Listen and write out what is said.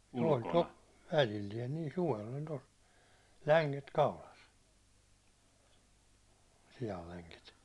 oli - välillään niin suvella oli tuossa länget kaulassa sianlänget